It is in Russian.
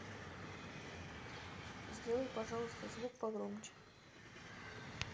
сделай пожалуйста звук погромче